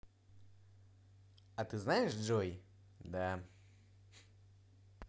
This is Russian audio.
а ты знаешь джой да